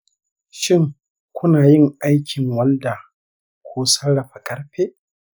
shin kuna yin aikin walda ko sarrafa ƙarfe?